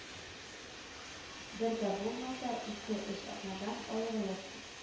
Бер дә булмаса, ике-өч атнадан аерылырсыз